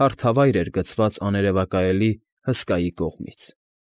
Հարթավայր էր գցված աներևակայելի հսկայի կողմից։